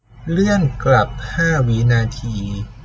เลื่อนกลับห้าวินาที